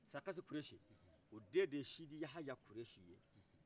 sakasi kuresi o den de ye sidiyahaya kuresi ye